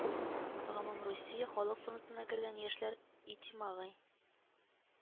Гомумрусия халык фронтына кергән яшьләр итимагый